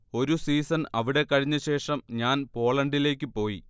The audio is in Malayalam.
ഒരു സീസൺ അവിടെ കഴിഞ്ഞശേഷം ഞാൻ പോളണ്ടിലേയ്ക്ക് പോയി